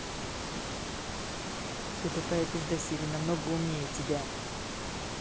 ты тупая пизда сири намного умнее тебя